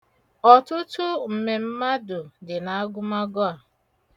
Ọtụtụ mmemmadụ dị n'agụmagụ a.